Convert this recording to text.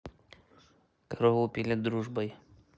корову пилят дружбой